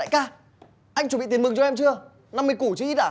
đại ca anh chuẩn bị tiền mừng cho em chưa năm mươi củ chứ ít à